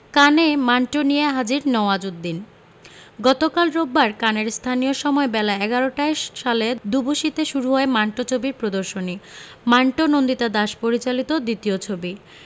কানে মান্টো নিয়ে হাজির নওয়াজুদ্দিন গতকাল রোববার কানের স্থানীয় সময় বেলা ১১টায় সালে দুবুসিতে শুরু হয় মান্টো ছবির প্রদর্শনী মান্টো নন্দিতা দাস পরিচালিত দ্বিতীয় ছবি